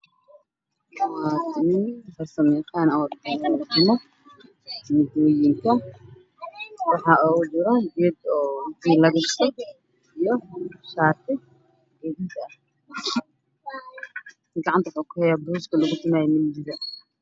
Waa nin farsamo yaqaan baro ayuu tumayaa wajiga waxaa ugu jiro madow shati guduud ayuu qabaa ayuu gacanta ku haystaa